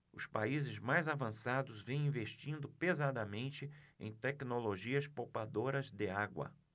os países mais avançados vêm investindo pesadamente em tecnologias poupadoras de água